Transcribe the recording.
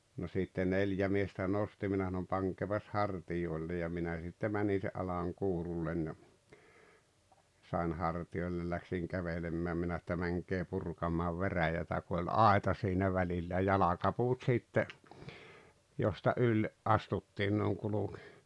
no sitten neljä miestä nosti minä sanoin pankaapas hartioille ja minä sitten menin sen alaan kuurulle ja sain hartioille lähdin kävelemään minä että menkää purkamaan veräjää kun oli aita siinä välillä ja jalkapuut sitten josta yli astuttiin noin kulki